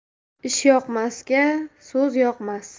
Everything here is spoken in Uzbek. ishyoqmasga so'z yoqmas